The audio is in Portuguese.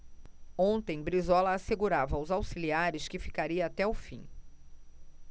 ontem brizola assegurava aos auxiliares que ficaria até o fim